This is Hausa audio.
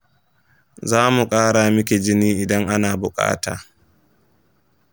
zamu kara miki jini idan ana bukata.